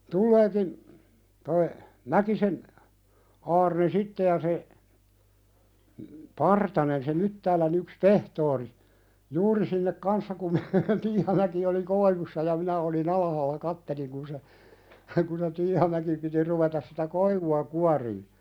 tuleekin tuo Mäkisen Aarne sitten ja se Partanen se Myttäälän yksi pehtori juuri sinne kanssa kun me Tiihamäki oli koivussa ja minä olin alhaalla katselin kun se kun se Tiihamäki piti ruveta sitä koivua kuorimaan